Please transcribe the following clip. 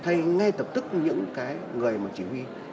thay ngay lập tức những cái người mà chỉ huy